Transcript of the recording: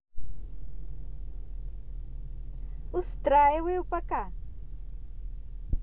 устраиваю пока